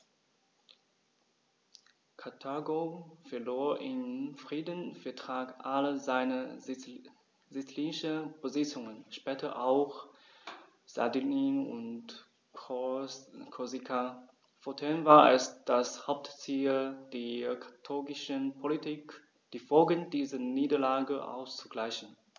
Karthago verlor im Friedensvertrag alle seine sizilischen Besitzungen (später auch Sardinien und Korsika); fortan war es das Hauptziel der karthagischen Politik, die Folgen dieser Niederlage auszugleichen.